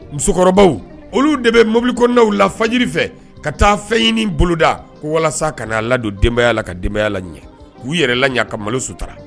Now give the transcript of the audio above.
Musokɔrɔba olu de bɛ mobilikɛw la fajiri fɛ ka ta fɛn ɲini boloda ko walasa ka ladon denbayaya la ka denbayaya la ɲan , k'u yɛrɛ la ɲɛ ka malo sutura.